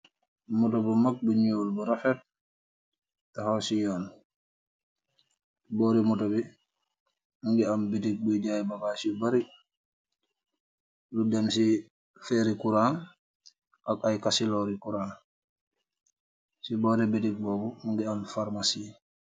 Moto bu mag bu ñool, bu raxet; taxaw ci yoon. Boori moto bi mu ngi am bitik buy jaay bagaas yu bari.L dem ci feeri kura, ak ay kasilori kura.si boore bitik boobu mu ngi am farmasi.